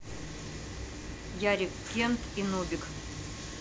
ярик кент и нубик